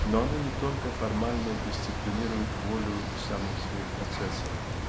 Но оно не только формально дисциплинирует волю самым своим процессом